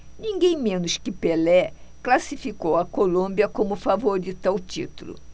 ninguém menos que pelé classificou a colômbia como favorita ao título